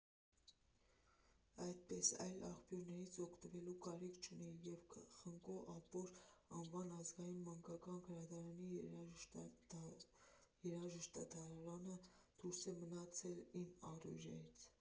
Այդպես, այլ աղբյուրներից օգտվելու կարիք չունեի, ու Խնկո Ապոր անվան ազգային մանկական գրադարանի երաժշտադարանը դուրս էր մնացել իմ առօրյայից։